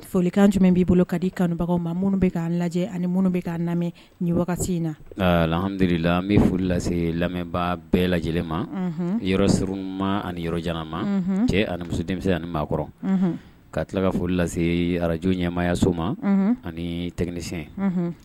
Folikan jumɛn b'i bolo ka di kanubagaw ma minnu bɛ k' lajɛ ani minnu bɛ k ka lamɛn ni wagati in na hamidu bɛ foli lase lamɛnba bɛɛ lajɛ lajɛlen ma yɔrɔ surunma ani yɔrɔ janma cɛ ani muso denmisɛnnin ani maa kɔrɔ ka tila ka foli lase arajo ɲɛmaayaso ma ani tsiyɛn